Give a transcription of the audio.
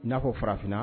N'a ko farafinna